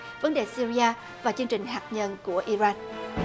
vấn đề xi ri a và chương trình hạt nhân của i ran